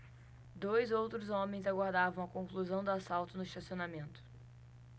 dois outros homens aguardavam a conclusão do assalto no estacionamento